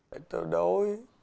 tại tôi đói